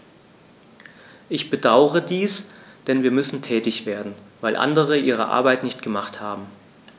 Ich bedauere dies, denn wir müssen tätig werden, weil andere ihre Arbeit nicht gemacht haben.